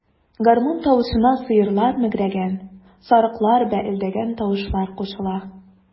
Гармун тавышына сыерлар мөгрәгән, сарыклар бәэлдәгән тавышлар кушыла.